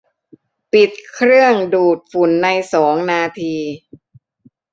ปิดเครื่องดูดฝุ่นในสองนาที